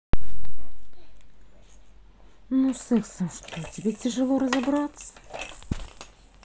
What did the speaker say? ну с сексом что тебе тяжело разобраться